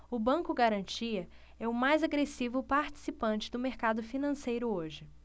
o banco garantia é o mais agressivo participante do mercado financeiro hoje